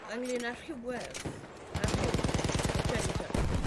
ynglŷn a rhywedd a rhyw a gender.